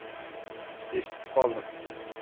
eshitib qoldim